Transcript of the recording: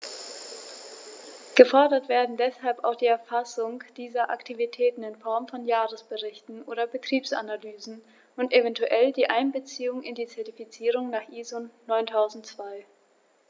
Gefordert werden deshalb auch die Erfassung dieser Aktivitäten in Form von Jahresberichten oder Betriebsanalysen und eventuell die Einbeziehung in die Zertifizierung nach ISO 9002.